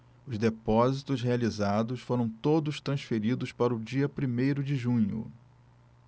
os depósitos realizados foram todos transferidos para o dia primeiro de junho